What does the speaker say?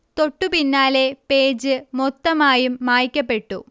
തൊട്ടു പിന്നാലെ പേജ് മൊത്തമായും മായ്ക്കപ്പെട്ടു